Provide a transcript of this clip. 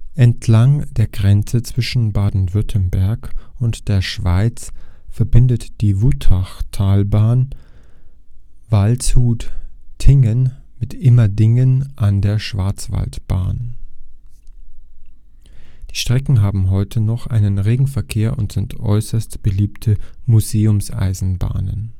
Entlang der Grenze zwischen Baden-Württemberg und der Schweiz verbindet die Wutachtalbahn Waldshut-Tiengen mit Immendingen an der Schwarzwaldbahn. Die Strecken haben heute noch einen regen Verkehr oder sind äußerst beliebte Museumseisenbahnen